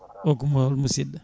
o ko hol musidɗo